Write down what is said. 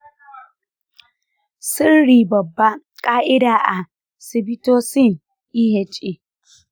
sirri babban ƙa'ida a sibitocin eha.